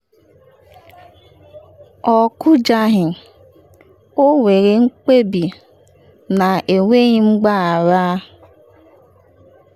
Ọ kụjaghị, ọ nwere mkpebi, na enweghị mgbagha.”